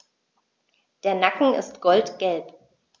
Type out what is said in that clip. Der Nacken ist goldgelb.